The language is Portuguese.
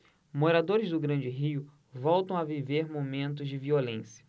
moradores do grande rio voltam a viver momentos de violência